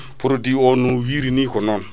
produit no wirini klo non